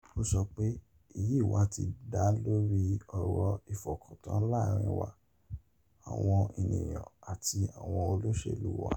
Ó sọ pé, 'èyí wà ti dá lóri ọ̀rọ̀ ìfọkàntán láàrín wa - àwọn ènìyàn - àti àwọn olóṣèlú wa,' .